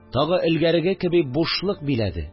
Тагы элгәреге кеби бушлык биләде